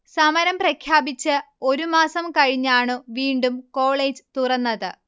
സമരം പ്രഖ്യാപിച്ച് ഒരു മാസം കഴിഞ്ഞാണു വീണ്ടും കോളേജ് തുറന്നത്